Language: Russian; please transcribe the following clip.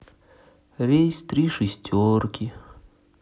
рейс три шестерки